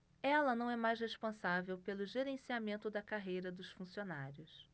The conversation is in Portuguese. ela não é mais responsável pelo gerenciamento da carreira dos funcionários